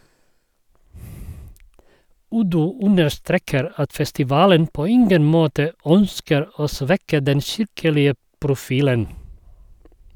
Uddu understreker at festivalen på ingen måte ønsker å svekke den kirkelige profilen.